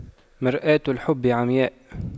مرآة الحب عمياء